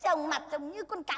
trông mặt trông như con cá